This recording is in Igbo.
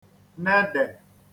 nedè